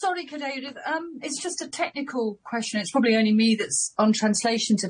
Sori Cadeirydd yym it's just a technical question it's probably only me that's on translation today.